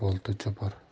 bir bolta chopar